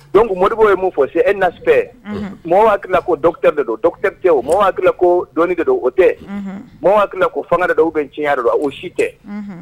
Don ko moriɔribaw ye mun fɔ se e nafɛ mɔgɔw hakili ko tɛ bɛ don opte o mɔgɔw hakili ko dɔnnikɛ don o tɛ mɔgɔ hakili ko fanga yɛrɛ dɔw bɛ tiɲɛya dɔ la o si tɛ